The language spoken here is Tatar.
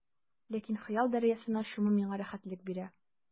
Ләкин хыял дәрьясына чуму миңа рәхәтлек бирә.